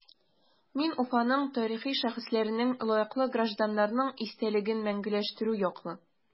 Мин Уфаның тарихи шәхесләренең, лаеклы гражданнарның истәлеген мәңгеләштерү яклы.